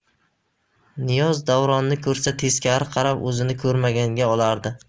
niyoz davronni ko'rsa teskari qarab o'zini ko'rmaganga olardi